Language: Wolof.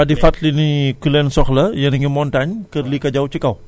parce que opportunité bi ngeen ñu jox tey def nañ fi sept ans